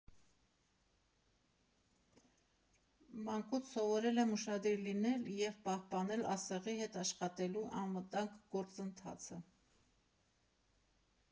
Մանկուց սովորել եմ ուշադիր լինել և պահպանել ասեղի հետ աշխատելու անվտանգ գործընթացը։